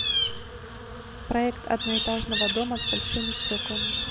проект одноэтажного дома с большими стеклами